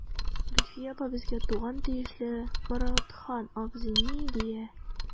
Гөлфия апа, безгә туган тиешле Моратхан абзый ни дия.